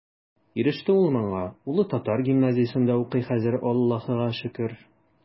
Иреште ул моңа, улы татар гимназиясендә укый хәзер, Аллаһыга шөкер.